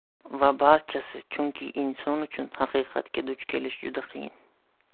va barchasi chunki inson uchun haqiqatga duch kelish juda qiyin